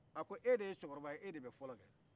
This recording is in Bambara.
a ko e de ye cɛkɔrɔba ye i de bɛ fɔlɔ kɛnɛna